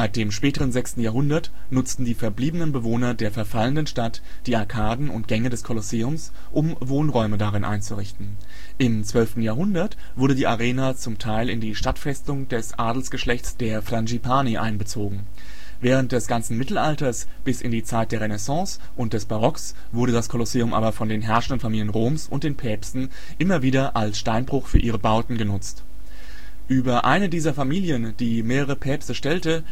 dem späteren 6. Jahrhundert nutzten die verbliebenen Bewohner der verfallenden Stadt die Arkaden und Gänge des Kolosseums, um Wohnräume darin einzurichten. Im 12. Jahrhundert wurde die Arena zum Teil in die Stadtfestung des Adelsgeschlechts der Frangipani einbezogen. Während des ganzen Mittelalters bis in die Zeit der Renaissance und des Barocks wurde das Kolosseum aber von den herrschenden Familien Roms und den Päpsten immer wieder als Steinbruch für ihre Bauten genutzt. Über eine dieser Familien, die mehrere Päpste stellte